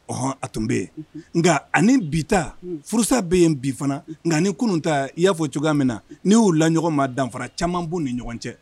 Ɔɔn a tun bɛ yen nka ani bita furusa bɛ yen bi fana nka ni kunun ta i y'a fɔ cogoya min na' y'u la ɲɔgɔn ma danfara caman b'u ni ɲɔgɔn cɛ